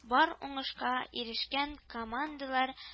Бар уңышка ирешкән командалар